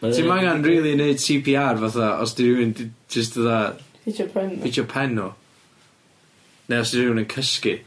Ti'm angan rili neud See Pee Are fatha os 'di rywun 'di jyst fatha... Hitio pen nw. Hitio pen nw. Ne' os 'di rywun yn cysgu.